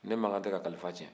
ne makan tɛ ka kalifa tiɲɛ